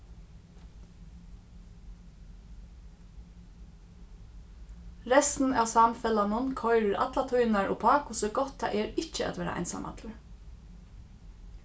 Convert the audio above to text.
restin av samfelagnum koyrir alla tíðirnar upp á hvussu gott tað er ikki at vera einsamallur